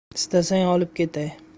istasang olib ketay